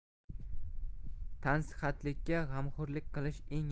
tansihatlikka g'amxo'rlik qilish